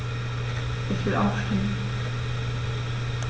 Ich will aufstehen.